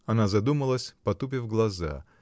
Она задумалась, потупив глаза.